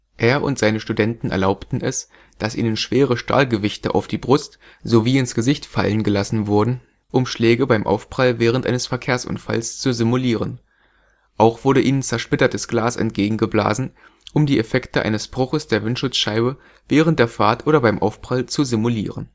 Er und seine Studenten erlaubten es, dass ihnen schwere Stahlgewichte auf die Brust sowie ins Gesicht fallen gelassen wurden, um Schläge beim Aufprall während eines Verkehrsunfalls zu simulieren. Auch wurde ihnen zersplittertes Glas entgegengeblasen, um die Effekte eines Bruches der Windschutzscheibe während der Fahrt oder beim Aufprall zu simulieren